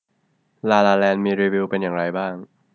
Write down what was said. ลาลาแลนด์มีรีวิวเป็นอย่างไรบ้าง